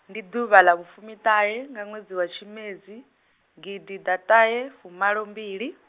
ndi ḓuvha ḽa vhufumiṱahe nga ṅwedzi wa tshimedzi, gidiḓaṱahefumalombili.